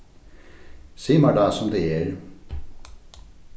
sig mær tað sum tað er